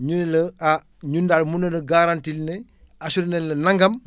ñu ne la ah ñun daal mun nañ la garanti ne assuré nañ la nangam